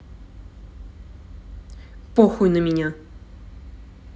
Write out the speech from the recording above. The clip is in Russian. похуй на меня